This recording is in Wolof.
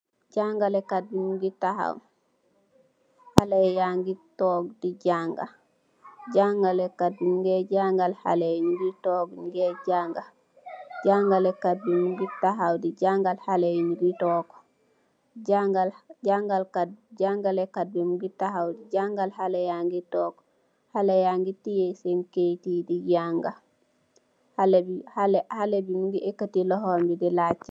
Jangaleh Kai bi mugeh taxaw, xalèh ya ngi tóóg di janga. Xalèh ya ngi teyeh sèèn kayit yi di janga. Xalèh bi mugeh èkati loxom.